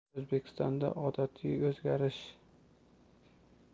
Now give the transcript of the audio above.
o'zbekistonda odatiy o'zgarish